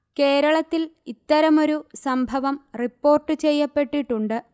കേരളത്തിൽ ഇത്തരമൊരു സംഭവം റിപ്പോർട്ട് ചെയ്യപ്പെട്ടിട്ടുണ്ട്